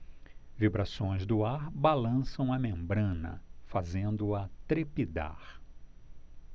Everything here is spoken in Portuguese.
vibrações do ar balançam a membrana fazendo-a trepidar